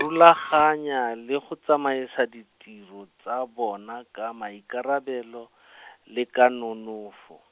rulaganya le go tsamaisa ditiro tsa bona ka maikarabelo , le ka nonofo.